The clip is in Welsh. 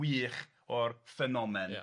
wych o'r ffenomen